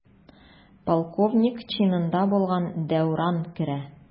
Полковник чинында булган Дәүран керә.